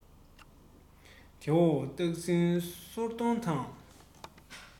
དེ འོག སྟག སྲིང ཟོར གདོང དང